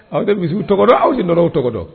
Aw tɛ misiw tɔgɔ dɔn aw tɛ n nɔnɔw tɔgɔ dɔn